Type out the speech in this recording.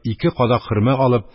Ике кадак хөрмә алып,